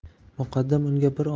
muqaddam unga bir